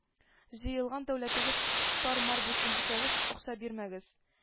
Җыелган дәүләтегез тар-мар булсын дисәгез, акча бирмәгез